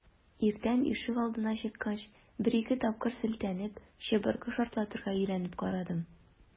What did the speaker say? Иртән ишегалдына чыккач, бер-ике тапкыр селтәнеп, чыбыркы шартлатырга өйрәнеп карадым.